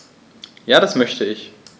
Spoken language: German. Ja, das möchte ich.